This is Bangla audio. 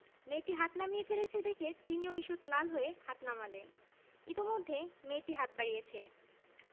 মেয়েটি হাত নামিয়ে ফেলেছে দেখে তিনিও ঈষৎ লাল হয়ে হাত নামালেন ইতিমধ্যে মেয়েটি হাত বাড়িয়েছে